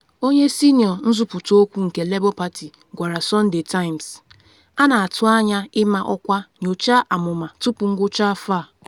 Onye senịọ nzuputa okwu nke Labour Party gwara Sunday Times: ‘A na-atu anya ịma ọkwa nyocha amụma tupu ngwucha afọ a.